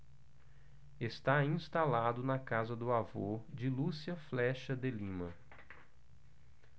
está instalado na casa do avô de lúcia flexa de lima